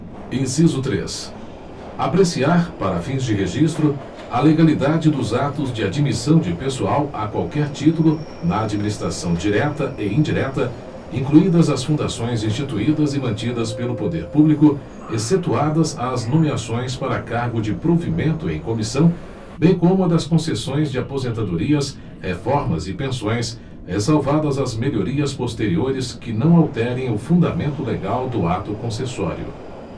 inciso três apreciar para fins de registro a legalidade dos atos de admissão de pessoal a qualquer título na administração direta e indireta incluídas as fundações instituídas e mantidas pelo poder público excetuadas as nomeações para cargo de provimento em comissão bem como a das concessões de aposentadorias reformas e pensões ressalvadas as melhorias posteriores que não alterem o fundamento legal do ato concessório